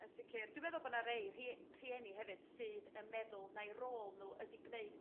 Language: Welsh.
Yn sicir dwi meddwl bo' 'na rei rhie- rhieni hefyd sydd yn meddwl ma'u rôl nhw ydi gneud